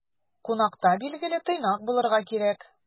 Кунакта, билгеле, тыйнак булырга кирәк.